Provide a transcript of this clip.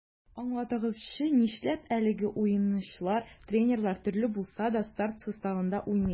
Аңлатыгызчы, нишләп әлеге уенчылар, тренерлар төрле булса да, старт составында уйный?